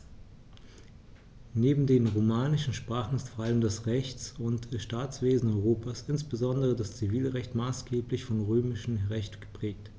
Neben den romanischen Sprachen ist vor allem das Rechts- und Staatswesen Europas, insbesondere das Zivilrecht, maßgeblich vom Römischen Recht geprägt.